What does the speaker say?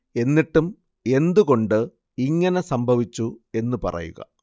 എന്നിട്ടും എന്ത് കൊണ്ട് ഇങ്ങനെ സംഭവിച്ചു എന്ന് പറയുക